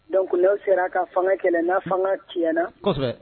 Donc nan sera ka fanga kɛlɛ, ni fanga cɛnna. Kosɛbɛ.